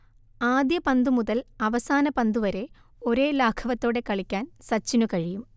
ആദ്യ പന്തുമുതൽ അവസാന പന്തുവരെ ഒരേ ലാഘവത്തോടെ കളിക്കാൻ സച്ചിനു കഴിയും